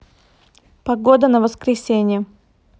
погода на воскресенье